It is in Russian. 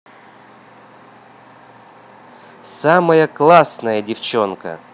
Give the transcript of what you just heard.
самая классная девченка